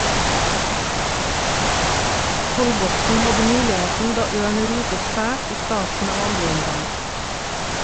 Kolbotn hadde muligheten da Ørn rotet fælt i starten av 2. omgang.